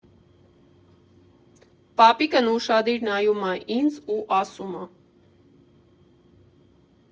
Պապիկն ուշադիր նայումա ինձ ու ասում ա.